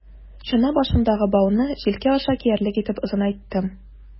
Чана башындагы бауны җилкә аша киярлек итеп озынайттым.